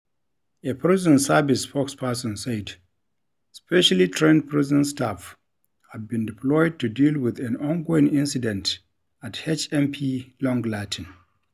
A Prison Service spokesperson said: "Specially trained prison staff have been deployed to deal with an ongoing incident at HMP Long Lartin.